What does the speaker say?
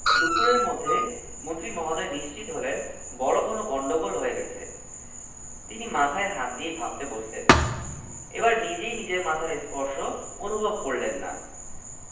জীবনে কখনো ব্যর্থ হইনি কাল রাতে শুয়ে শুয়ে জীবনের সাফল্য ব্যর্থতা সম্পর্কে ভাবছিলাম ভাবতে ভাবতে ঘুমিয়ে গেলাম ঘুমের মধ্যে স্বপ্ন দেখলাম ভার্সিটির ফার্স্ট ইয়ারে